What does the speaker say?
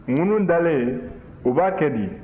ŋunu dalen u b'a kɛ di